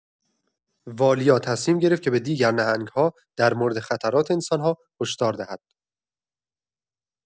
والیا تصمیم گرفت که به دیگر نهنگ‌ها در مورد خطرات انسان‌ها هشدار دهد.